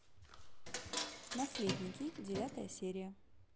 наследники девятая серия